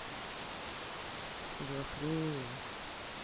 вы охренели